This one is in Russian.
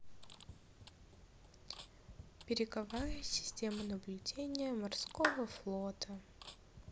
береговая система наблюдения морского флота